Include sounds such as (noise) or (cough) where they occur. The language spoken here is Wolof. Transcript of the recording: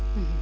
(hesitation) (hesitation)